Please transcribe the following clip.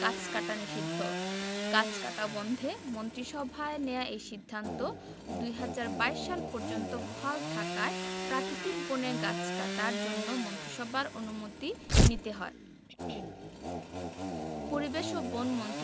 সংরক্ষিত ও প্রাকৃতিক বনাঞ্চলের গাছ কাটা নিষিদ্ধ গাছ কাটা বন্ধে মন্ত্রিসভায় নেয়া এই সিদ্ধান্ত ২০২২ সাল পর্যন্ত বহাল থাকায় প্রাকৃতিক বনের গাছ কাটার জন্য মন্ত্রিসভার অনুমতি নিতে হয়